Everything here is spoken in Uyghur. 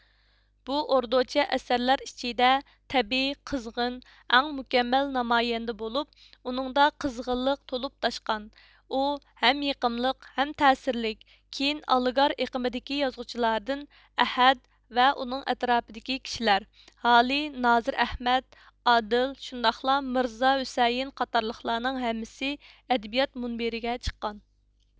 بۇ ئوردۇچە ئەسەرلەر ئىچىدە تەبىئىي قىزغىن ئەڭ مۇكەممەل نامايەندە بولۇپ ئۇنىڭدا قىزغىنلىق تولۇپ تاشقان ئۇ ھەم يېقىملىق ھەم تەسىرلىك كېيىن ئالىگار ئېقىمىدىكى يازغۇچىلاردىن ئەھەد ۋە ئۇنىڭ ئەتراپىدىكى كىشىلەر ھالى نازىر ئەھمەد ئادىل شۇنداقلا مىرزا ھۈسەيىن قاتارلىقلارنىڭ ھەممىسى ئەدەبىيات مۇنبىرىگە چىققان